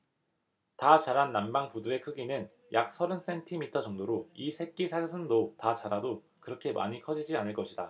다 자란 남방부두의 크기는 약 서른 센티미터 정도로 이 새끼사슴도 다 자라도 그렇게 많이 커지지 않을 것이다